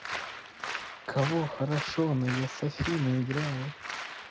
кого хорошону я с афиной играю